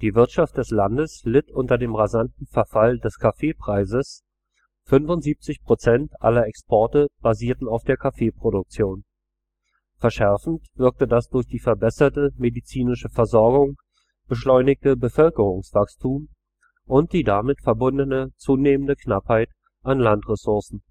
Wirtschaft des Landes litt unter dem rasanten Verfall des Kaffeepreises – 75 Prozent aller Exporte basierten auf der Kaffeeproduktion. Verschärfend wirkten das durch die verbesserte medizinische Versorgung beschleunigte Bevölkerungswachstum und die damit verbundene zunehmende Knappheit an Landressourcen